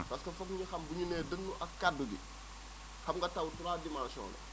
parce que foog ñu xam bu ñu nee dënnu ak kaddu gi xam nga taw 3 dimenssions la